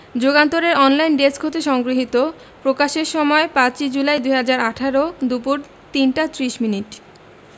যুগান্তর এর online desk হতে সংগ্রহীত প্রকাশের সময় ৫ই জুলাই ২০১৮ দুপুর ৩টা ৩০ মিনিট